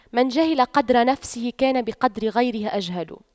من جهل قدر نفسه كان بقدر غيره أجهل